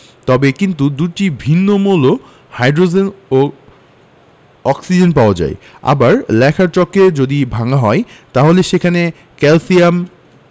তবে কিন্তু দুটি ভিন্ন মৌল হাইড্রোজেন ও অক্সিজেন পাওয়া যায় আবার লেখার চককে যদি ভাঙা যায় তাহলে সেখানে ক্যালসিয়াম